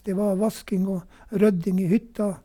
Det var vasking og rydding i hytta.